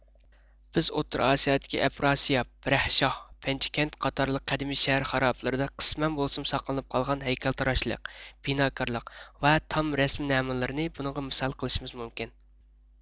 بىز ئوتتۇرا ئاسىيادىكى ئەپراسىياپ بەرەھشاھ پەنجىكەنت قاتارلىق قەدىمكى شەھەر خارابىلىرىدە قىسمەن بولسىمۇ ساقلىنىپ قالغان ھەيكەلتىراشلىق بىناكارلىق ۋە تام رەسىمى نەمۇنىلىرىنى بۇنىڭغا مىسال قىلىشىمىز مۇمكىن